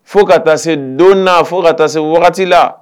Fo ka taa se don na fo ka taa se wagati la